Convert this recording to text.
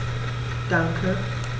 Danke.